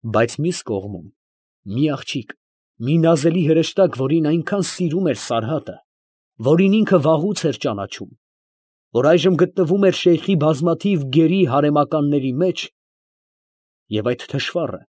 Բայց մյուս կողմում, մի աղջիկ, մի նազելի հրեշտակ, որին այնքան սիրում էր Սարհատը, որին ինքը վաղուց էր ճանաչում, որ այժմ գտնվում էր շեյխի բազմաթիվ գերի հարեմականների մեջ, ֊ և այդ թշվառը։